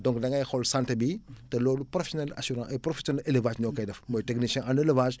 donc da ngay xool santé bi te loolu professionnel assuran ay professionnels élévage ñoo koy def mooy technicien en élevage